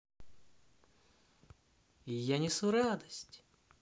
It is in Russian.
я несу радость